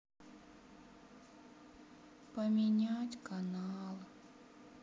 поменять канал